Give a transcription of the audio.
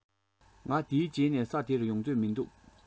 ང འདིའི རྗེས ནས ས འདིར ཡོང འདོད མི འདུག